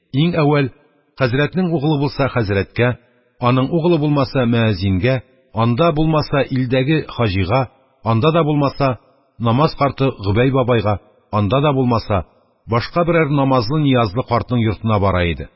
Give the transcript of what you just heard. Иң әүвәл, хәзрәтнең угылы булса – хәзрәткә, аның угылы булмаса – мөәззингә, анда булмаса – илдәге хаҗига, анда да булмаса – намаз карты Гобәй бабайга, анда да булмаса – башка берәр намазлы-ниязлы картның йортына бара иде.